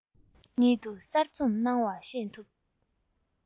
ཉིད དུ གསར རྩོམ གནང བ ཤེས ཐུབ